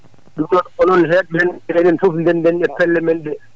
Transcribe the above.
ɗum noon onon hedɓeheen ɓe gare enen fof ndenden pelle men ɗe